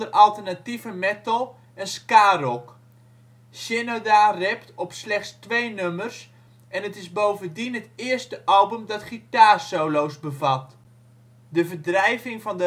alternatieve metal en skarock. Shinoda rapt op slechts twee nummers en het is bovendien het eerste album dat gitaarsolo 's bevat. De verdrijving van